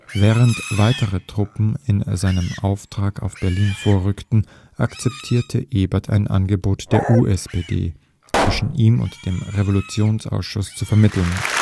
Während weitere Truppen in seinem Auftrag auf Berlin vorrückten, akzeptierte Ebert ein Angebot der USPD, zwischen ihm und dem Revolutionsausschuss zu vermitteln